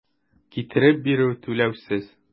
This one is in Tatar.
Китереп бирү - түләүсез.